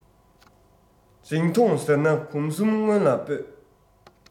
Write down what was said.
འཛིང ཐོངས ཟེར ན གོམས གསུམ སྔོན ལ སྤོས